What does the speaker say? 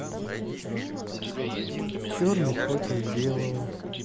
черный против белого